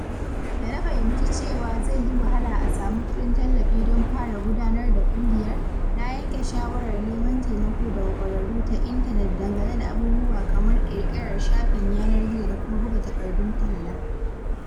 Da na fahimci cewa zai yi wahala a samu kuɗin tallafi don fara gudanar da ƙungiyar, na yanke shawarar neman taimako daga ƙwararru ta intanet dangane da abubuwa kamar ƙirƙirar shafin yanar gizo da kuma buga takardun talla.